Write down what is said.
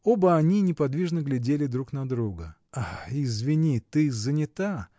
Оба они неподвижно глядели друг на друга. — Извини, ты занята?